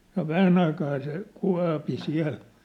no vähän aikaa se kuopi siellä